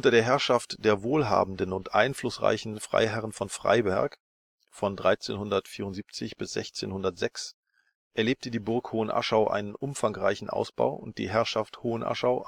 der Herrschaft der wohlhabenden und einflussreichen Freiherren von Freyberg von 1374 bis 1606 erlebte die Burg Hohenaschau einen umfangreichen Ausbau, und die Herrschaft Hohenaschau